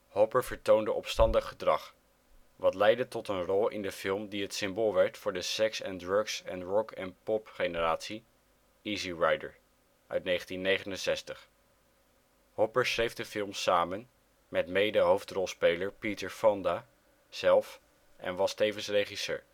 Hopper vertoonde opstandig gedrag, wat leidde tot een rol in de film die het symbool werd voor de seks'n'drugs'n'rock'n'pop-generatie: Easy Rider (1969). Hopper schreef de film samen met medehoofdrolspeler Peter Fonda zelf en was tevens regisseur